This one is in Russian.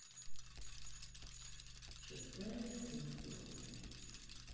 шестая симфония